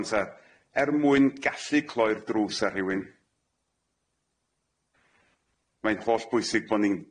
Wan ta er mwyn gallu cloi'r drws ar rhywun mae'n holl bwysig bo' ni'n